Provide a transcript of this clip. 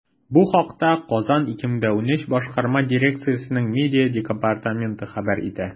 Бу хакта “Казан 2013” башкарма дирекциясенең медиа департаменты хәбәр итә.